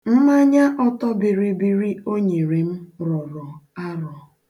Mmanya ọtọ bịrịbịrị o nyere m rọrọ arọ.